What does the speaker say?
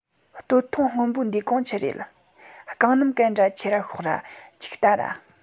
སྟོད ཐུང སྔོན པོ འདིའི གོང ཆི རེད རྐང སྣམ གན ན ར ཁྱེར ར ཤོག ཅིག ལྟ ར